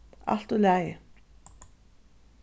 alt í lagi